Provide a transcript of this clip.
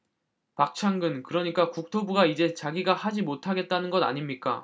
박창근 그러니까 국토부가 이제 자기가 하지 못하겠다는 것 아닙니까